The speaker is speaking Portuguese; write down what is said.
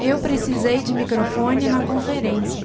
eu precisei de microfone na conferência